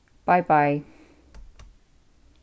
bei bei